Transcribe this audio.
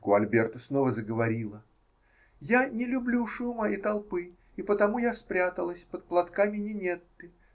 Гуальберта снова заговорила: -- Я не люблю шума и толпы, и потому я спряталась под платками Нинетты.